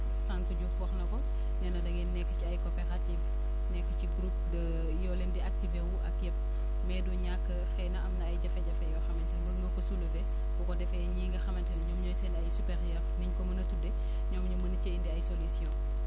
sànq Diouf wax na ko nee na da ngeen nekk ci ay coopératives nekk ci groupe de yoo leen di activé wu ak yëpp mais du ñàkk xëy na am na ay jafe-jafe yoo xamante ni bëgg nga ko soulever bu ko defee ñii nga xamante ni ñoom ñooy seen ay supérieurs ni ñu ko mën a tuddee ñoom ñu mën cee indi ay solutions